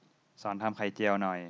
สอนทำไข่เจียวหน่อย